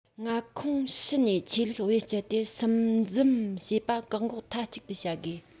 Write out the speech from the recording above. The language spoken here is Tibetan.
མངའ ཁོངས ཕྱི ནས ཆོས ལུགས བེད སྤྱད དེ སིམ འཛུམ བྱེད པ བཀག འགོག མཐའ གཅིག ཏུ བྱ དགོས